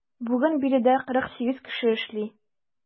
Бүген биредә 48 кеше эшли.